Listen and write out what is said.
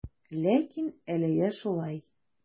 Ләкин әлегә шулай.